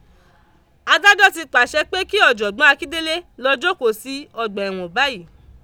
Adájọ́ ti pàsẹ pé kí ọ̀jọ̀gbọ́n Akíndélé lọ jọ́kòó sí ọgbà ẹ̀wọ̀n báyìí.